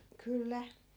kyllä